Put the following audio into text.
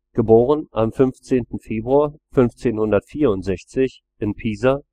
* 15. Februar 1564 in Pisa